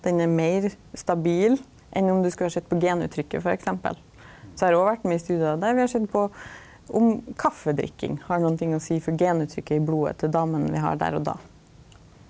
den er meir stabil enn om du skulle ha sett på genuttrykket for eksempel, så eg har òg vore mykje studiar der vi har sett på om kaffidrikking har nokon ting å seia for genuttrykket i blodet til damene vi har der og då.